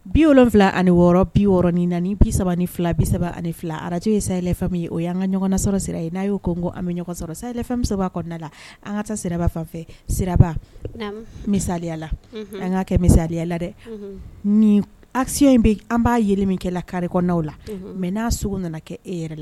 Bi wolon wolonwula ani wɔɔrɔ biɔrɔnin na bisa ni fila bisa ani ni fila arajo ye sayalami ye o y an ka ɲɔgɔnnasɔrɔ sira ye n'a y'o ko an bɛ ɲɔgɔn sɔrɔ sayasa kɔnɔnada la an ka taa siraba fan siraba misayala an ka kɛ misaya la dɛ ni aya in bɛ an b'a ye min kɛ karikna la mɛ n'a sogo nana kɛ e yɛrɛ la